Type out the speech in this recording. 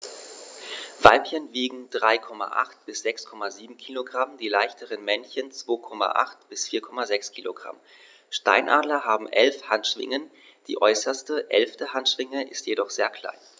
Weibchen wiegen 3,8 bis 6,7 kg, die leichteren Männchen 2,8 bis 4,6 kg. Steinadler haben 11 Handschwingen, die äußerste (11.) Handschwinge ist jedoch sehr klein.